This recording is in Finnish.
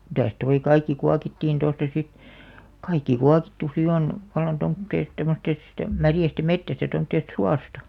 mitäs tuo kaikki kuokittiin tuosta sitten kaikki kuokittu sitten on vallan tuommoisesta tuommoisesta sitten märästä metsästä tuommoisesta suosta